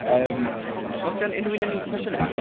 Yym, oes gan unrhyw un unrhyw cwestiynau?